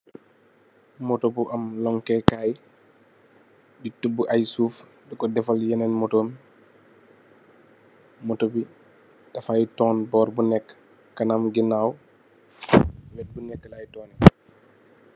Moto bu am lonkèkaay di tubu ay suuf di ko deffal yenen moto, Moto bi da fè turn boor bu nekk kanam gënnaw, boor bu nekka lè turn.